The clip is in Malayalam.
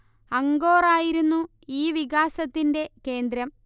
അങ്കോർ ആയിരുന്നു ഈ വികാസത്തിന്റെ കേന്ദ്രം